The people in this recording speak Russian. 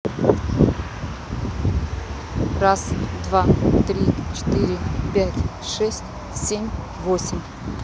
раз два три четыре пять шесть семь восемь